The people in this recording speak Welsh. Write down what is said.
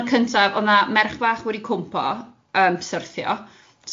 A dwrnod cyntaf o'dd 'na ferch fach wedi cwmpo yym syrthio